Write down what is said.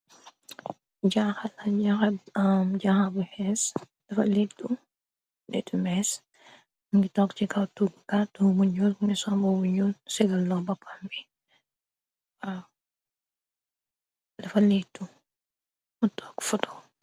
Jaaxala jaxab am jaxabu xees dafa leetu nittu meesngi. Tog ci kaw tug kartu bu njur nisomb bu ñoo segal loo bapam bi wa dafa leetu motokk foto.